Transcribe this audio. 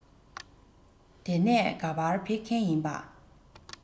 དེ ནས ག པར ཕེབས མཁན ཡིན པྰ